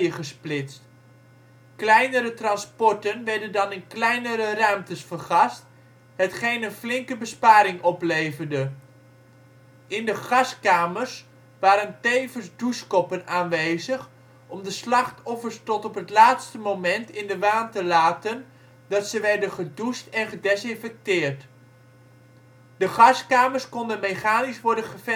gesplitst. Kleinere transporten werden dan in kleinere ruimtes vergast, hetgeen een flinke besparing opleverde. In de gaskamers waren tevens douchekoppen aanwezig, om de slachtoffers tot op het laatste moment in de waan te laten dat ze werden gedoucht en gedesinfecteerd. De gaskamers konden mechanisch worden